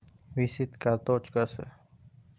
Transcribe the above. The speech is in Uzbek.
visit kartochkasi